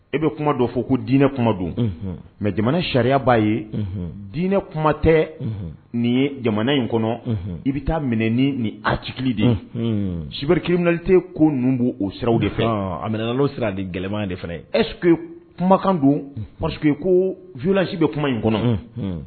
E bɛ kuma dɔ fɔ ko diinɛ kuma don mɛ jamana sariya b'a ye diinɛ kuma tɛ nin ye jamana in kɔnɔ i bɛ taa minɛ ni ni atiki de ye sibirikirimlite ko ninnu don o siraw de fɛ a minɛɛna sera a de gɛlɛyamanya de fana ye ɛseke kumakan don parce ko vlasi bɛ kuma in kɔnɔ